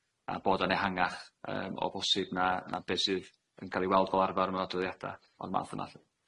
a bod o'n ehangach yym o bosib na na be' sydd yn ca'l 'i weld fel arfar mewn adroddiada o'r math yma lly.